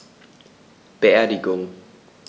Beerdigung